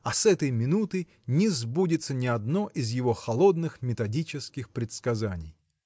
а с этой минуты не сбудется ни одно из его холодных методических предсказаний.